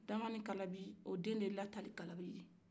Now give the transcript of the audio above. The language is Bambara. damanikalabi o den de ye latalikalabi di